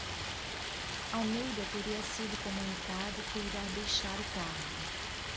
almeida teria sido comunicado que irá deixar o cargo